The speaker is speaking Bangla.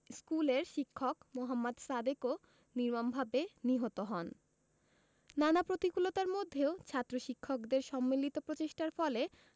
স্কুলের শিক্ষক মোহাম্মদ সাদেকও নির্মমভাবে নিহত হন নানা প্রতিকূলতার মধ্যেও ছাত্র শিক্ষকদের সম্মিলিত প্রচেষ্টার ফলে